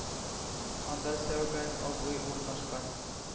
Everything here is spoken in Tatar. Анда Сәүбән абый урнашкан.